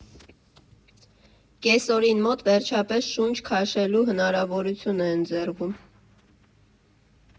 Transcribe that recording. Կեսօրին մոտ վերջապես շունչ քաշելու հնարավորություն է ընձեռվում։